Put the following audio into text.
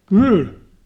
kyllä